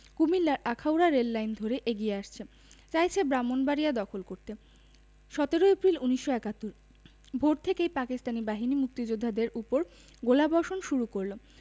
কুমিল্লার আখাউড়া রেললাইন ধরে এগিয়ে আসছে চাইছে ব্রাহ্মনবাড়িয়া দখল করতে ১৭ এপ্রিল ১৯৭১ ভোর থেকেই পাকিস্তানি বাহিনী মুক্তিযোদ্ধাদের উপর গোলাবর্ষণ শুরু করল